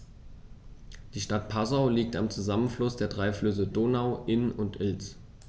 Die Stadt Passau liegt am Zusammenfluss der drei Flüsse Donau, Inn und Ilz.